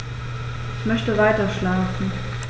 Ich möchte weiterschlafen.